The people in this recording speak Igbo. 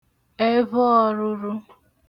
ẹvhọ ọrụ̄rụ̄